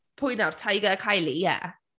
Pwy nawr, Tyga a Kylie? Ie.